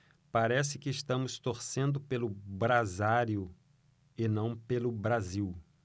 parece que estamos torcendo pelo brasário e não pelo brasil